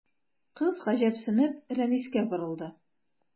Кыз, гаҗәпсенеп, Рәнискә борылды.